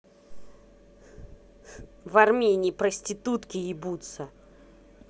в армении проститутки ебутся